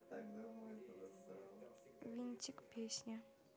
винтик песня